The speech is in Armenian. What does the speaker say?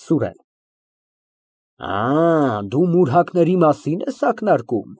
ՍՈՒՐԵՆ ֊ Աա, դու մուրհակների մասի՞ն ես ակնարկում։